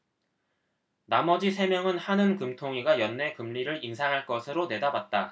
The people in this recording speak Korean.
나머지 세 명은 한은 금통위가 연내 금리를 인상할 것으로 내다봤다